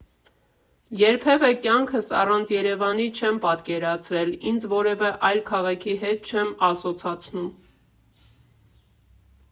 Երբևէ կյանքս առանց Երևանի չեմ պատկերացրել, ինձ որևէ այլ քաղաքի հետ չեմ ասոցացնում։